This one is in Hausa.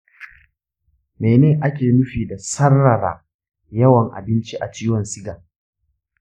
mene ake nufi da sarrara yawan abinci a ciwon siga?